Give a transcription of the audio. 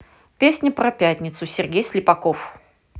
песня про пятницу сергей слепаков